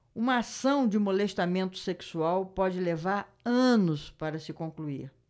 uma ação de molestamento sexual pode levar anos para se concluir